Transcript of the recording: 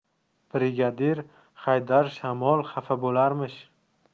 brigadir haydar shamol xafa bo'larmish